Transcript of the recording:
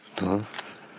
Do.